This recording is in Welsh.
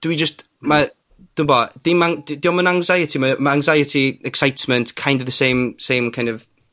...dwi jyst, ma', d'wmbo. Dim an- 'd 'di o'm yn anxiety mae o, mae anxiety, excitement, kind of the same same kind of